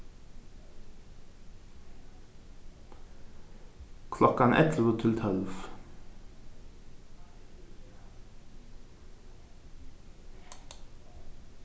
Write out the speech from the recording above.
klokkan ellivu til tólv